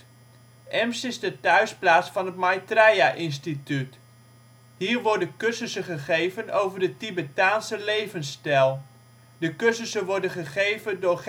Emst is de thuisplaats van het Maitreya Instituut. Hier worden cursussen gegeven over de tibetaanse levensstijl. De cursussen worden gegeven door